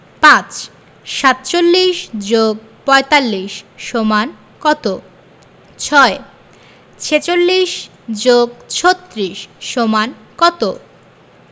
৫ ৪৭ + ৪৫ = কত ৬ ৪৬ + ৩৬ = কত